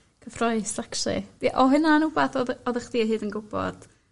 cyffroes actually. 'Di o' hynna'n wbath oddo oddoch chdi o hyd yn gwbod?